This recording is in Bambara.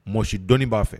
Mɔsi dɔn b'a fɛ